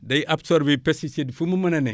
day absorbé pesticides fu mu mën a ne